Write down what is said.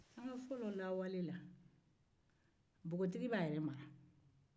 lawale la npogotigi b'a yɛrɛ mara